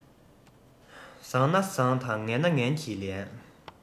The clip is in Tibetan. བཟང ན བཟང དང ངན ན ངན གྱིས ལན